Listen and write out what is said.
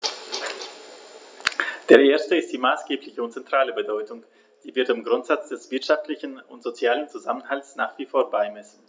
Der erste ist die maßgebliche und zentrale Bedeutung, die wir dem Grundsatz des wirtschaftlichen und sozialen Zusammenhalts nach wie vor beimessen.